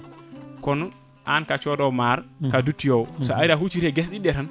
kono an ka coodowo maaro ka duttoyowo sa ari a hucciti e guese ɗiɗi ɗe tan